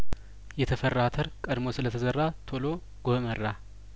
የተፈራ አተር ቀድሞ ስለተዘራ ቶሎ ጐመራ